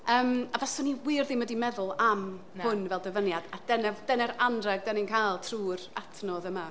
Yym a faswn i wir ddim wedi meddwl am... na. ...hwn fel dyfyniad. A dyna dyna'r anrheg dan ni'n cael trwy'r adnodd yma.